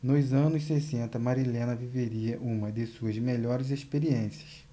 nos anos sessenta marilena viveria uma de suas melhores experiências